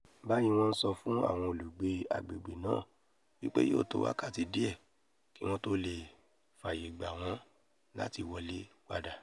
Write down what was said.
Báyìí wọ́n ńsọ fún àwọn olùgbé agbègbè naa wìpè yóò tó wákàtí diẹ kí wọn tó leè fààyè gbà wọ́n láti wọlé padà.